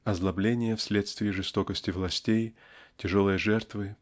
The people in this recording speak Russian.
озлобление вследствие жестокости властей тяжелые жертвы